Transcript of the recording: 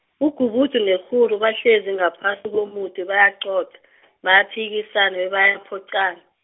ugubudu nekghuru bahlezi ngaphasi komuthi bayacoca , bayaphikisana, bebayaphoqana.